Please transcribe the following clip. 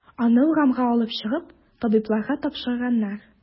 Аны урамга алып чыгып, табибларга тапшырганнар.